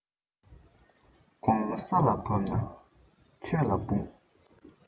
དགོང མོ ས ལ བབས ལ ཆོས ལ འབུངས